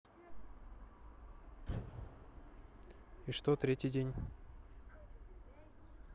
и что третий день